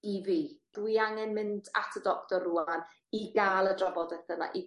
i fi. Dwi angen mynd at y doctor rŵan i ga'l y drafodaeth yna i